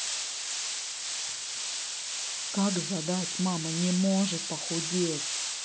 как задать мама не может похудеть